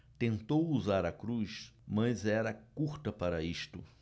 tentou usar a cruz mas era curta para isto